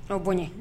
O bonya